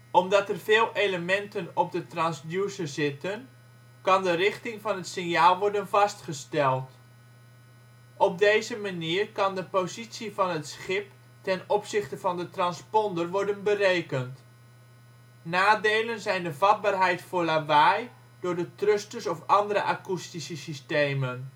Omdat er veel elementen op de transducer zitten, kan de richting van het signaal worden vastgesteld. Op deze manier kan de positie van het schip ten opzichte van de transponder worden berekend. Nadelen zijn de vatbaarheid voor lawaai door de thrusters of ander akoestische systemen